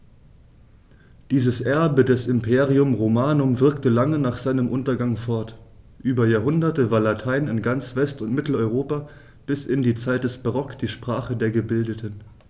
Dieses Erbe des Imperium Romanum wirkte lange nach seinem Untergang fort: Über Jahrhunderte war Latein in ganz West- und Mitteleuropa bis in die Zeit des Barock die Sprache der Gebildeten.